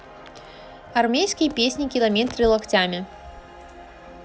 армейские песни километры локтями